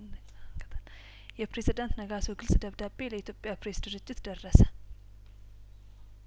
የፕሬዝዳንት ነጋሶ ግልጽ ደብዳቤ ለኢትዮጵያ ፕሬስ ድርጅት ደረሰ